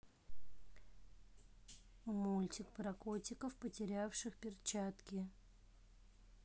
мультик про котиков потерявших перчатки